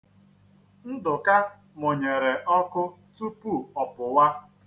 Nduka mụnyere ọkụ tupu ọ pụwa.